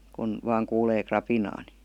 kun vain kuulee rapinaa niin